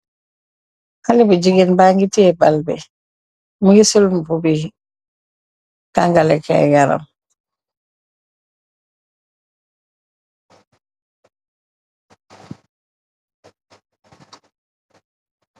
Xali bu gigeen ba ngi teyeh bal bi, mu ñgi sol mbubi tanglekai yaram.